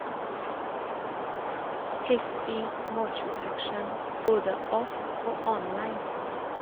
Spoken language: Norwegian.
Heftig macho-action både off- og online.